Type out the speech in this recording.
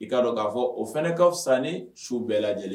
I k'a dɔn k'a fɔ o fana ka fisa ni su bɛɛ lajɛ lajɛlen